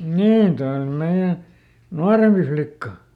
niin tuo on meidän nuorempi flikka